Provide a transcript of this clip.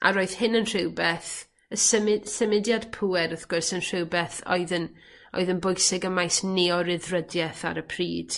A roedd hyn yn rhywbeth y symu- symudiad pŵer wrth gwrs yn rhywbeth oedd yn oedd yn bwysig ym maes neo-ryddfrydieth ar y pryd.